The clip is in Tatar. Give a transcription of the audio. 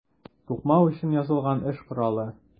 Тукмау өчен ясалган эш коралы.